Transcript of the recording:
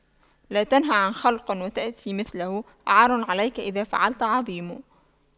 لا تنه عن خلق وتأتي مثله عار عليك إذا فعلت عظيم